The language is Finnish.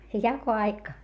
jakoaika